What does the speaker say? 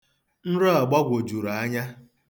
Nro a gbagwojuru anya.